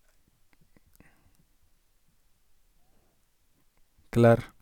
Klar.